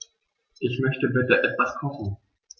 Ich möchte bitte etwas kochen.